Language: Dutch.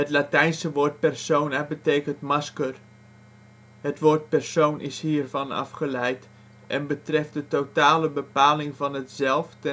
Latijnse woord ' persona ' betekent masker. Het woord ' persoon ' is hiervan afgeleid, en betreft de totale bepaling van het zelf